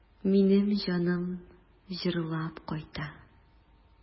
Минем җаным җырлап кайта.